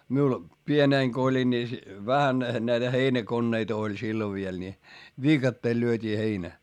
minulla pienenä kun olin niin vähän näitä heinäkoneita oli silloin vielä niin viikatteella lyötiin heinä